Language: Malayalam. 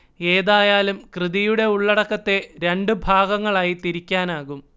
ഏതായാലും കൃതിയുടെ ഉള്ളടക്കത്തെ രണ്ടു ഭാഗങ്ങളായി തിരിക്കാനാകും